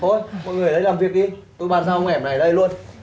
thôi mọi người ở đây làm việc đi tôi bàn giao ông ẻm này ở đây luôn